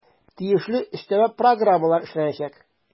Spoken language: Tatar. Тиешле өстәмә программалар эшләнәчәк.